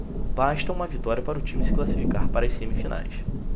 basta uma vitória para o time se classificar para as semifinais